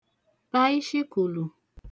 bàishikùlù